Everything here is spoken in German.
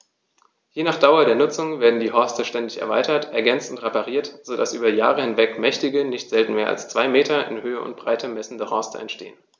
Je nach Dauer der Nutzung werden die Horste ständig erweitert, ergänzt und repariert, so dass über Jahre hinweg mächtige, nicht selten mehr als zwei Meter in Höhe und Breite messende Horste entstehen.